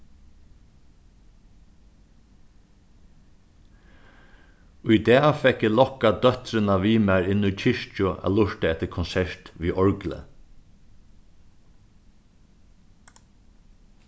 í dag fekk eg lokkað dóttrina við mær inn í kirkju at lurta eftir konsert við orgli